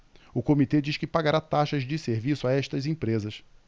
o comitê diz que pagará taxas de serviço a estas empresas